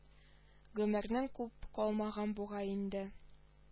Гомернең күп калмаган бугай инде